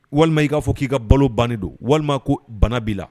Walima i k'a fɔ k'i ka balo bannen don walima ko bana bla